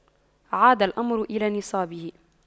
عاد الأمر إلى نصابه